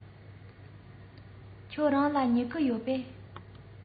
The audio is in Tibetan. ཁྱེད རང ལ སྨྱུ གུ ཡོད པས